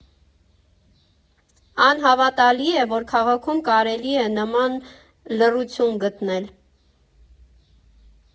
Անհավատալի է, որ քաղաքում կարելի է նման լռություն գտնել։